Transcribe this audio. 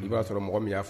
I b'a sɔrɔ mɔgɔ min'a